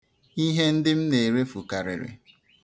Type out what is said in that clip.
Ihe ndị m na-erefu karịrị.